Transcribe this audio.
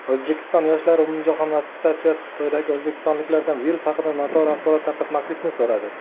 o'zbekiston yoshlari umumjahon assotsiatsiyasi xitoydagi o'zbekistonliklardan virus haqida noto'g'ri axborot tarqatmaslikni so'radi